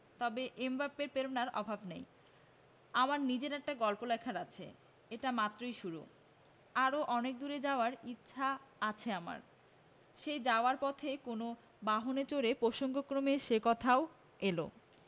তবে এমবাপ্পের প্রেরণার অভাব নেই আমার নিজের একটা গল্প লেখার আছে এটা মাত্রই শুরু আরও অনেক দূর যাওয়ার ইচ্ছা আছে আমার সেই যাওয়ার পথ কোন বাহনে চড়ে প্রসঙ্গক্রমে সে কথাও এল